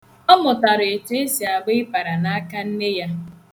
Ọ mụtara etu esi agba ịpara n' aka nne ya.